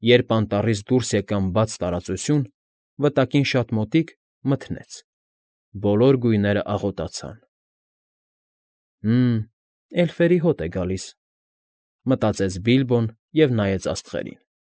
Երբ անտառից դուրս եկան բաց տարածություն, վտակին շատ մոտիկ, մթնեց, բոլոր գույները աղոտացան։ «Հը՜մ, էլֆերի հոտ է գալիս»֊ մտածեց Բիլբոն և նայեց աստղերին։